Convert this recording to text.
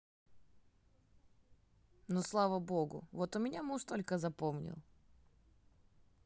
ну слава богу вот у меня муж только запомнил